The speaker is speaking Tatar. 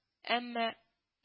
Әмма…